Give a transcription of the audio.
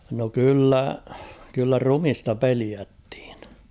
no kyllä kyllä ruumista pelättiin